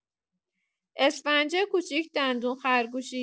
اسفنج کوچیک دندون خرگوشی